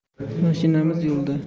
mashinamiz yo'lda